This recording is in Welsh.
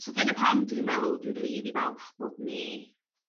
so dyna pam dwi'n meddwl dwi'n rili falch bod ni